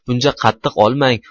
buncha qattiq olmang